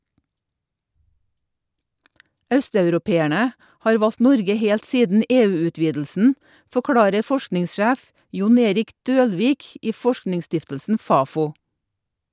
Østeuropeerne har valgt Norge helt siden EU-utvidelsen, forklarer forskningssjef Jon Erik Dølvik i Forskningsstiftelsen Fafo.